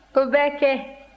o bɛ kɛ